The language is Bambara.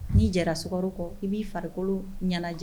N'i jɛra s kɔ i b'i farikolo ɲɛnajɛ